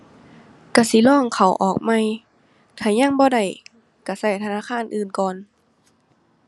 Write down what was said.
ก็สิลองเข้าออกใหม่ ถ้ายังบ่ได้ก็ก็ธนาคารอื่นก่อน